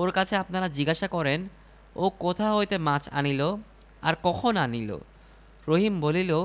এই বলিয়া রহিম ক্ষেতের কাজে চলিয়া গেল দুপুর হইতে না হইতেই বাড়ি ফিরিয়া